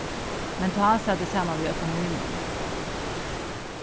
men tá sat eg saman við øllum mínum